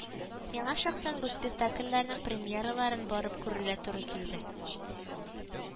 Миңа шәхсән бу спектакльләрнең премьераларын барып күрергә туры килде